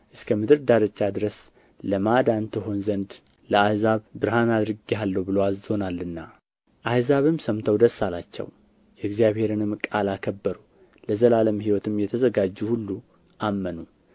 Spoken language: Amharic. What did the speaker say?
እስከ ምድር ዳርቻ ድረስ ለማዳን ትሆን ዘንድ ለአሕዛብ ብርሃን አድርጌሃለሁ ብሎ አዞናልና አሉ አሕዛብም ሰምተው ደስ አላቸው የእግዚአብሔርንም ቃል አከበሩ ለዘላለም ሕይወትም የተዘጋጁ ሁሉ አመኑ